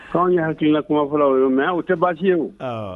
Aw ye hakilila kumafɔ o ye mɛ o tɛ baasi ye o